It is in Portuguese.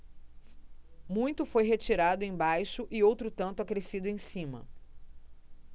muito foi retirado embaixo e outro tanto acrescido em cima